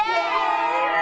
dê